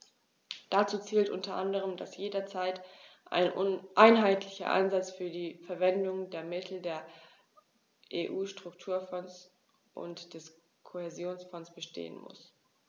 Dazu zählt u. a., dass jederzeit ein einheitlicher Ansatz für die Verwendung der Mittel der EU-Strukturfonds und des Kohäsionsfonds bestehen muss.